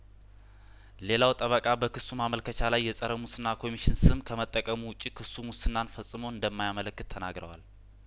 ሌላው ጠበቃ በክሱ ማመልከቻ ላይ የጸረ ሙስና ኮሚሽን ስም ከመጠቀሙ ውጪ ክሱ ሙስናን ፈጽሞ እንደማ ያመለክት ተናግረዋል